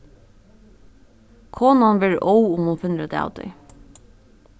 konan verður óð um hon finnur út av tí